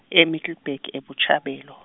e- Middleburg, eBuchabelo.